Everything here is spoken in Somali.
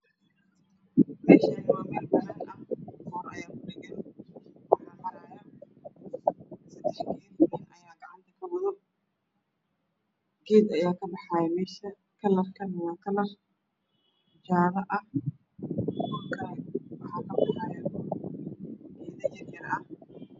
Meeshan waa mel baana ah poor ayaa ku dhagan waxa mraayosadax geel ayaa gacanta ka wado geed ayaa meehsa kapaxaayo kalarkana waa kalar jaala ah dhulkana waxaa kapaxaayo geeda yar yar ah